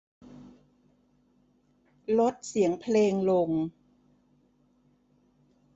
ลดเสียงเพลงลง